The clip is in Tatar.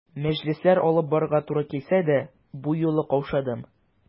Мәҗлесләр алып барырга туры килсә дә, бу юлы каушадым.